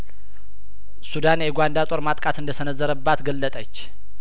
ሱዳን የኡጋንዳ ጦር ማጥቃት እንደሰነዘረባት ገለጠች